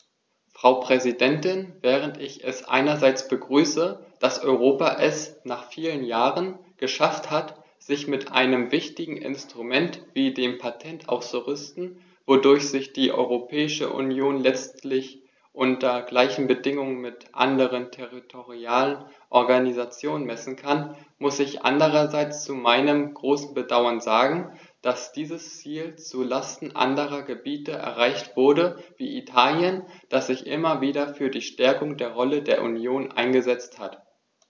Frau Präsidentin, während ich es einerseits begrüße, dass Europa es - nach vielen Jahren - geschafft hat, sich mit einem wichtigen Instrument wie dem Patent auszurüsten, wodurch sich die Europäische Union letztendlich unter gleichen Bedingungen mit anderen territorialen Organisationen messen kann, muss ich andererseits zu meinem großen Bedauern sagen, dass dieses Ziel zu Lasten anderer Gebiete erreicht wurde, wie Italien, das sich immer wieder für die Stärkung der Rolle der Union eingesetzt hat.